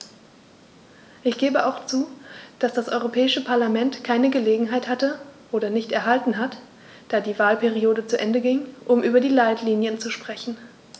Ich gebe auch zu, dass das Europäische Parlament keine Gelegenheit hatte - oder nicht erhalten hat, da die Wahlperiode zu Ende ging -, um über die Leitlinien zu sprechen.